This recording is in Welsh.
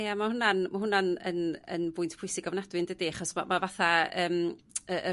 Ia ma' hwna'n ma' hwna'n yn yn bwynt pwysig ofnadwy yn dydi? Achos ma' ma' fatha'r